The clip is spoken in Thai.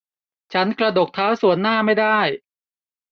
ฉันกระดกเท้าส่วนหน้าไม่ได้